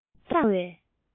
མཚན མདངས བཀྲ བའི